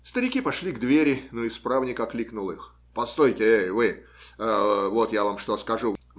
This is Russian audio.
Старики пошли к двери, но исправник окликнул их: - Постойте, эй, вы! Вот я вам что скажу